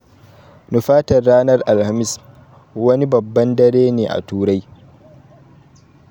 Nufatar ranar Alhamis, wani babban dare ne a Turai.